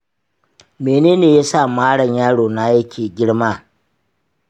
mene yasa maran yaro na yake girma?